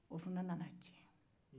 o fana nana cɛn